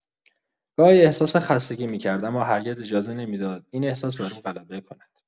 گاهی احساس خستگی می‌کرد، اما هرگز اجازه نمی‌داد این احساس بر او غلبه کند.